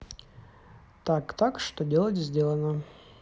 так так что делать сделано